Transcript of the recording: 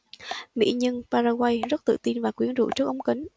mỹ nhân paraguay rất tự tin và quyến rũ trước ống kính